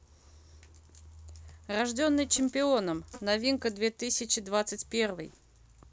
рожденный чемпионом новинка две тысячи двадцать первый